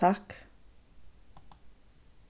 takk